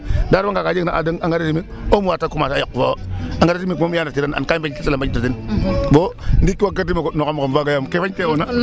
Ndaa a refanga ka jegna engrais chimique un mois ta commencer a yaqu fo' wo' engrais chimique moom i andatiran and ka i bañtatel o ten bo ndiik waagkatiim o goɗ no xam a xam fagaa yaam ke fañte'oona..